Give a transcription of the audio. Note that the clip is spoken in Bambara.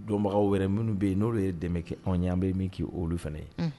Dɔnbagaw wɛrɛ minnu bɛ yen n'o ye dɛmɛ anw ye an bɛ min k'i olu fana ye